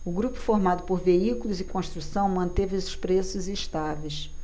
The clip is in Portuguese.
o grupo formado por veículos e construção manteve os preços estáveis